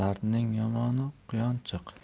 dardning yomoni quyonchiq